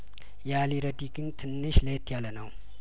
የአሊ ረዲ ግን ትንሽ ለየት ያለነው